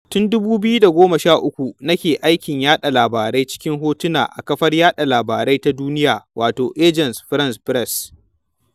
Tun 2013 nake aikin yaɗa labarai cikin hotuna a kafar yaɗa labarai ta duniya, wato Agence France Presse (AFP).